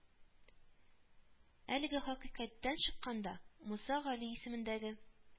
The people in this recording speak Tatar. Әлеге хакыйкатьтән чыкканда, Муса Гали исемендәге